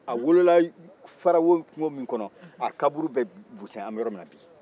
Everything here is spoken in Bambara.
a wolola farawo min kɔnɔ a kaburu bɛ busɛn an bɛ yɔrɔ min na i ko bi